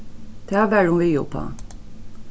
tað var hon við uppá